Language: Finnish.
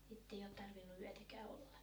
että ei ole tarvinnut yötäkään olla